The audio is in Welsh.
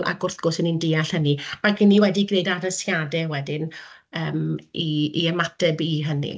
ac wrth gwrs 'y ni'n deall hynny, ac 'y ni wedi gwneud addasiadau wedyn yym i i ymateb i hynny.